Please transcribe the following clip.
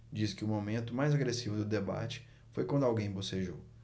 diz que o momento mais agressivo do debate foi quando alguém bocejou